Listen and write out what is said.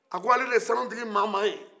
a ko ale de ye sanutigi mama ye